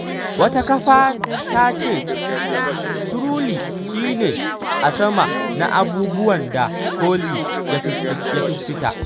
Wata kafa ta ce: “Truly shi ne a sama na abubuwan da Holly ya fifita.